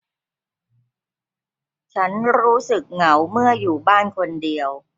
ฉันรู้สึกเหงาเมื่ออยู่บ้านคนเดียว